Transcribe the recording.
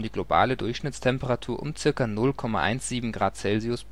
globale Durchschnittstemperatur um ca. 0,17 °C